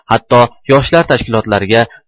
hatto yoshlar tashkilotlariga